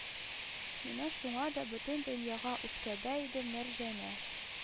Менә шуңа да бөтен дөньяга үпкәдә иде Мәрҗәнә